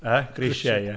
Yy grisiau ie.